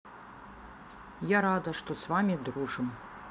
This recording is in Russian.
я рада что с вами дружим